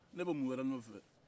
ne bɛ mun wɛrɛ nɔfɛ